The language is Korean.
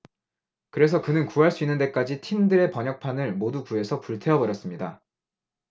그래서 그는 구할 수 있는 데까지 틴들의 번역판을 모두 구해서 불태워 버렸습니다